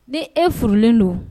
Di e furulen don